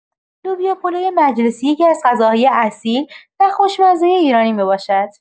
لوبیا پلو مجلسی یکی‌از غذاهای اصیل و خوشمزه ایرانی می‌باشد.